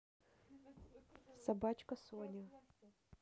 собачка соня